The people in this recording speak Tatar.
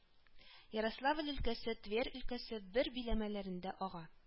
Ярославль өлкәсе, Тверь өлкәсе бер биләмәләрендә ага